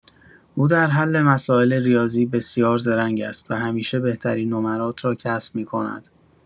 او در حل مسائل ریاضی بسیار زرنگ است و همیشه بهترین نمرات را کسب می‌کند.